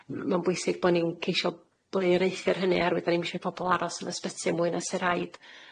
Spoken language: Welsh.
M- ma'n bwysig bo' ni'n ceisio blaenoriaethu ar hynny, oherwydd 'da ni'm isio i pobol aros yn y sbyty am mwy na sy'n rhaid.